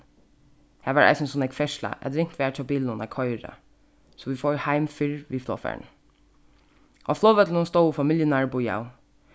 har var eisini so nógv ferðsla at ringt var hjá bilunum at koyra so vit fóru heim fyrr við flogfarinum á flogvøllinum stóðu familjurnar og bíðaðu